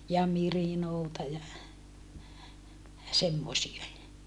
ja mirinoota ja semmoisia